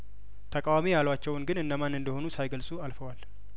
ተቃዋሚ ያሏቸውን ግን እነማን እንደሆኑ ሳይገልጹ አልፈዋል